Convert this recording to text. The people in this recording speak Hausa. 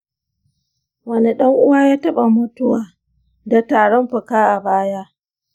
wani ɗan uwa ya taɓa mutuwa da tarin fuka a baya?